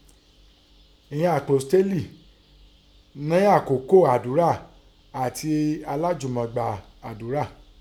Inán Àpọ́sítélì nẹ́ àókò àdọ́rà àtin alâjùmọ̀ gba àdọ́rà.